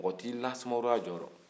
mɔgɔ t'a da sumaworo ka jɔ kɔnɔ